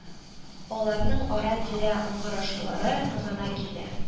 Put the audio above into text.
Аларның ара-тирә ыңгырашулары гына килә